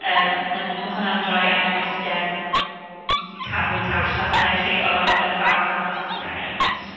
Yym 'ma n- ma' hwnna'n rhoi enghreifftiau ca- mwy call na hwnna i chi o y fath o ddata sydd angen .